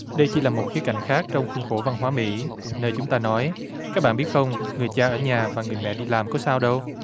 đây chỉ là một khía cạnh khác trong khuôn khổ văn hóa mỹ nơi chúng ta nói các bạn biết không người cha ở nhà và người mẹ đi làm có sao đâu